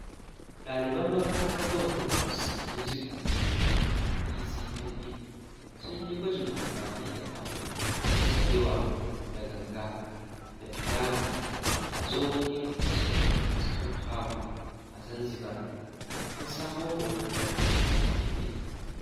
ɗaliban makarantar Dhow Countries Music Academy (DCMA) sun yi gwajin amfani da ƙanun da sarewa da ganga da fiyano a tsohon gidan kwastam da ke Stone Town a Zanzibar. An samo hoton daga DCMA.